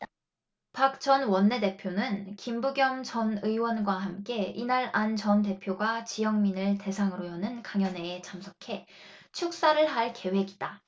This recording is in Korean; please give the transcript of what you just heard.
박 전 원내대표는 김부겸 전 의원과 함께 이날 안 전 대표가 지역민을 대상으로 여는 강연회에 참석해 축사를 할 계획이다